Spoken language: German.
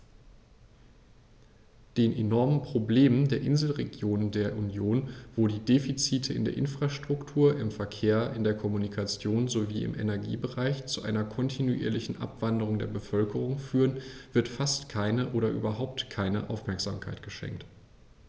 Den enormen Problemen der Inselregionen der Union, wo die Defizite in der Infrastruktur, im Verkehr, in der Kommunikation sowie im Energiebereich zu einer kontinuierlichen Abwanderung der Bevölkerung führen, wird fast keine oder überhaupt keine Aufmerksamkeit geschenkt.